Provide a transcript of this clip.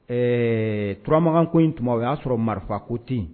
Ɛɛ turamakan ko in tuma o y'a sɔrɔ marifa ko ten